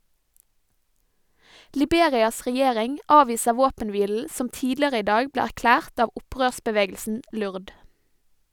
Liberias regjering avviser våpenhvilen som tidligere i dag ble erklært av opprørsbevegelsen LURD.